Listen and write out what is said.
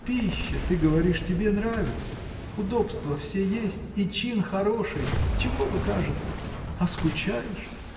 – Пища, ты говоришь, тебе нравится, удобства все есть, и чин хороший. чего бы, кажется? а скучаешь!